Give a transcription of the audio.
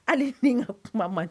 Hali denkɛ ka kuma man